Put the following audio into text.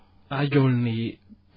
aajewul ni